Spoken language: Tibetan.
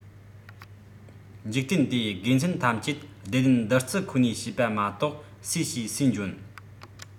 འཇིག རྟེན འདིའི དགེ མཚན ཐམས ཅད བདེ ལྡན བདུད རྩི ཁོ ནས བྱས པ མ གཏོགས སུས བྱས སུས འཇོན